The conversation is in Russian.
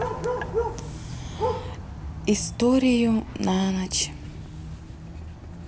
историю на ночь